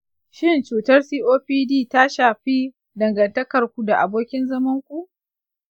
shin cutar copd ta shafi dangantakarku da abokin zamanku?